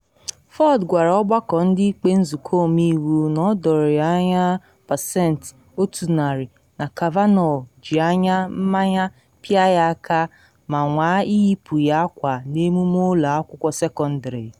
Ford gwara Ọgbakọ Ndị Ikpe Nzụkọ Ọmeiwu na o doro ya anya pasentị 100 na Kavanaugh ji anya mmanya pịa ya aka ma nwaa iyipu ya akwa n’emume ụlọ akwụkwọ sekọndịrị.